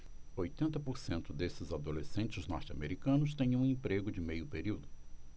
oitenta por cento desses adolescentes norte-americanos têm um emprego de meio período